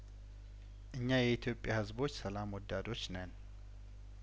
እኛ የኢትዮጵያ ህዝቦች ሰላም ወዳዶች ነን